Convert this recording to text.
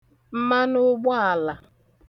mmanụụgbaàlà